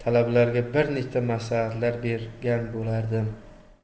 holda talabalarga bir nechta maslahatlar bergan bo'lardim